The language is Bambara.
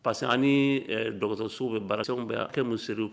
Parce que ani dɔgɔsoso bɛ baara kɛ